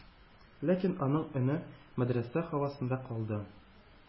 Ләкин аның өне мәдрәсә һавасында калды.